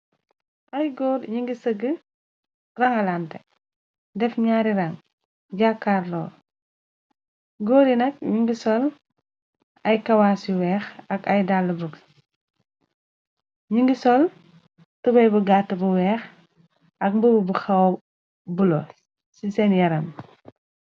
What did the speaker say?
Ay góor ñi ngi segeh rangalante def ñaari rang jaa carlo góor yi nag ñu ngi sol ay kawass yu weex ak ay dalle brogs ñi ngi sol tubay bu gàtt bu weex ak mubu bu xawa bulo ci sen yaram.